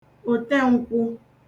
òtenkwụ